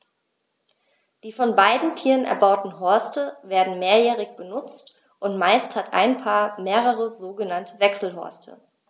Die von beiden Tieren erbauten Horste werden mehrjährig benutzt, und meist hat ein Paar mehrere sogenannte Wechselhorste.